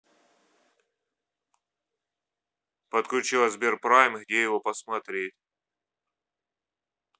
подключила сберпрайм где его посмотреть